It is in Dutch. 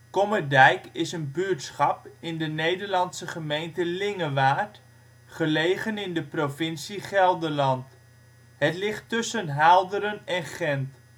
Kommerdijk is een buurtschap in de Nederlandse gemeente Lingewaard, gelegen in de provincie Gelderland. Het ligt tussen Haalderen en Gendt